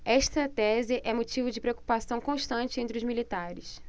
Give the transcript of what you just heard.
esta tese é motivo de preocupação constante entre os militares